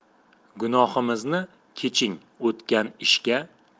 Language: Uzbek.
gunohimizni keching o'tgan ishga